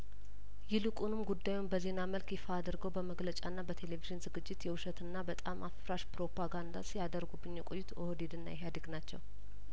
ይልቁንም ጉዳዩን በዜና መልክ ይፋ አድርገው በመግለጫና በቴሌቪዥን ዝግጅት የውሸትና በጣም አፍራሽ ፕሮፓጋንዳ ሲያደርጉብኝ የቆዩት ኦህዴድና ኢህአዴግ ናቸው